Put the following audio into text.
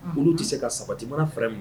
Olu tɛ se ka sabati mana fɛ